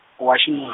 wa xinu-.